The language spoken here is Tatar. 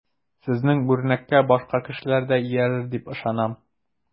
Сезнең үрнәккә башка кешеләр дә иярер дип ышанам.